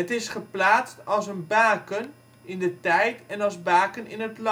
is geplaatst als een baken in de tijd en als baken in het landschap